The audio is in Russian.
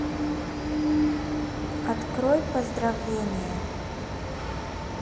открой поздравление